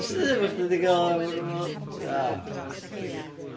wnes 'di ddeud eich bod chdi 'di gael o o rywle... O, whatever. Ocê.